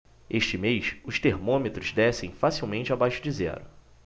este mês os termômetros descem facilmente abaixo de zero